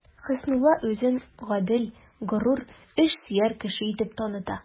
Хөснулла үзен гадел, горур, эшсөяр кеше итеп таныта.